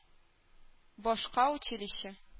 Башка училище